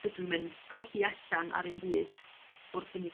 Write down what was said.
dydw i'm yn colli allan ar 'im byd wrth fynd i...